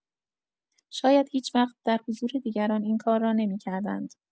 شاید هیچ‌وقت در حضور دیگران این کار را نمی‌کردند.